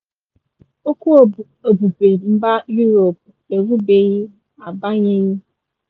Okwu ebube mba Europe erubeghị, agbanyeghi.